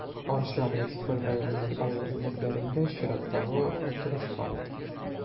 Арча муниципаль районының авыл җирлекләрендә чираттагы утырышлар үтә.